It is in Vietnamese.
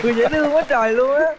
dễ thương quá trời luôn á